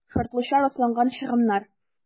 «шартлыча расланган чыгымнар»